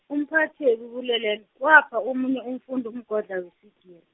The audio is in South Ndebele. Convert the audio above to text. umphathi webubulo lelo, wapha omunye umfundi umgodlana weswigiri.